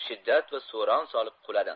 shiddat va suron solib quladi